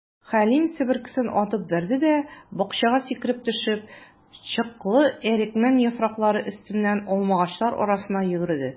Хәлим, себеркесен атып бәрде дә, бакчага сикереп төшеп, чыклы әрекмән яфраклары өстеннән алмагачлар арасына йөгерде.